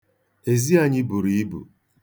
Ezi anyị buru ibu.